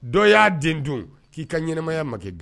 Dɔw y'a den don k'i ka ɲɛnɛmaya ma kɛ gan